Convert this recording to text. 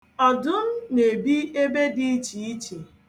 Ọdụm na-ebi ebe dị iche iche.